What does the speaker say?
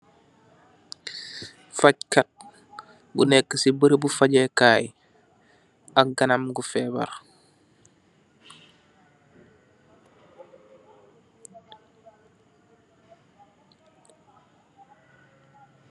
Fagkat bu neka si berembi fageh kai aam kanam gu febar.